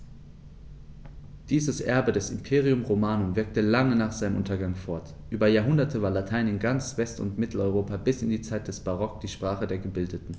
Dieses Erbe des Imperium Romanum wirkte lange nach seinem Untergang fort: Über Jahrhunderte war Latein in ganz West- und Mitteleuropa bis in die Zeit des Barock die Sprache der Gebildeten.